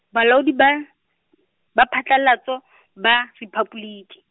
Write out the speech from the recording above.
Bolaodi ba , ba Phethahatso , ba Rephaboliki.